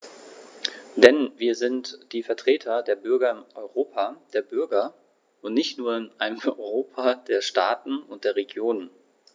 Denn wir sind die Vertreter der Bürger im Europa der Bürger und nicht nur in einem Europa der Staaten und der Regionen.